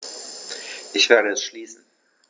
Ich werde es schließen.